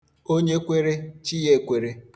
Onye kwere, chi ya ekwere.